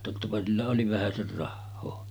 tottapa sillä oli vähäsen rahaa